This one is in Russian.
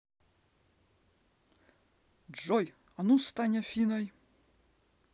джой а ну стань афиной